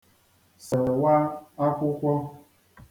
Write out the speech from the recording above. sèwa akwụkwọ